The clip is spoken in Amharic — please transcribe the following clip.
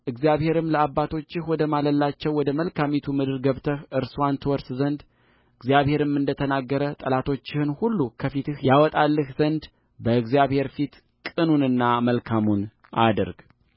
እግዚአብሔርም ለአባቶችህ ወደ ማለላቸው ወደ መልካሚቱ ምድር ገብተህ እርስዋን ትወርስ ዘንድ እግዚአብሔርም እንደ ተናገረ ጠላቶችህን ሁሉ ከፊትህ ያወጣልህ ዘንድ በእግዚአብሔር ፊት ቅኑንና መልካሙን አድርግ